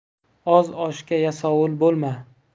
oz oshga yasovul bo'lma